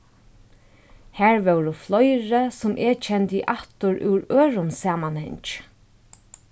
har vóru fleiri sum eg kendi aftur úr øðrum samanhangi